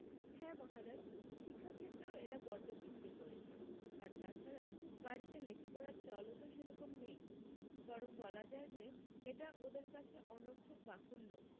হ্যাঁ মহারাজ শিক্ষাক্ষেত্রেও এরা বডড পিছিয়ে পড়েছে আর তাছাড়া বাড়ীতে লেখাপড়ার চল ও তো সেরকম নেই বরং বলা যায় যে এটা ওদের কাছে অনর্থক বাহুল্য